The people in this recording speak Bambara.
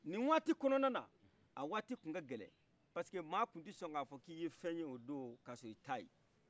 ni wati kɔnɔna a wati tu ka gɛlɛ paske maa tun te sɔn k'a fɔ ki ye fɛin ye odo kasɔrɔ i ta ye